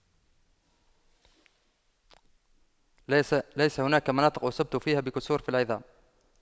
ليس ليس هناك مناطق اصبت فيها بكسور في العظام